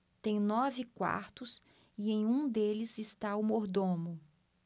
tem nove quartos e em um deles está o mordomo